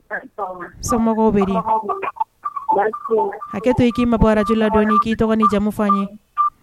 Somɔgɔw bɛ akɛ tɛ i mabɔ bɔjla dɔn ni i k i tɔgɔ ni jamumufa ye